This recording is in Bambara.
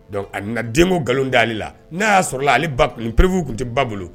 Donc a na denko nkalon dalen ale la n'a y'a sɔrɔ ale nin pereurbuw tun tɛ ba bolo